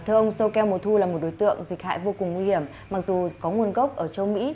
theo ông sâu keo mùa thu là một đối tượng dịch hại vô cùng nguy hiểm mặc dù có nguồn gốc ở châu mỹ